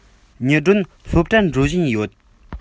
ཉི སྒྲོན སློབ གྲྭར འགྲོ བཞིན ཡོད